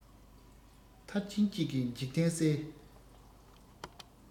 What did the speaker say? མཐར ཕྱིན གཅིག གིས འཇིག རྟེན གསལ